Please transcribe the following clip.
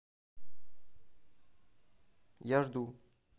я жду